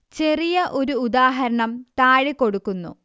ചെറിയ ഒരു ഉദാഹരണം താഴെ കൊടുക്കുന്നു